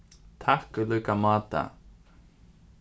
takk í líka máta